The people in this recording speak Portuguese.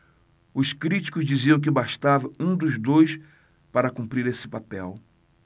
os críticos diziam que bastava um dos dois para cumprir esse papel